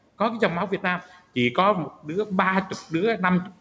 có cái dòng máu việt nam chỉ có một đứa ba chục đứa năm